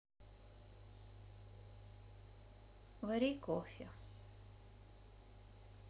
вари кофе